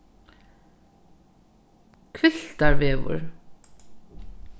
hvilvtarvegur